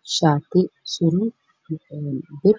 Meshaan waxaa ka muuqdo